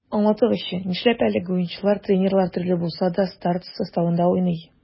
Аңлатыгызчы, нишләп әлеге уенчылар, тренерлар төрле булса да, старт составында уйный?